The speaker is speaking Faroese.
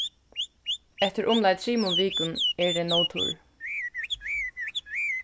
eftir umleið trimum vikum eru tey nóg turr